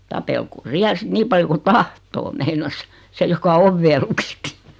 tapelkoon siellä sitten niin paljon kuin tahtoo meinasi se joka ovea lukitsi